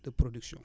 de production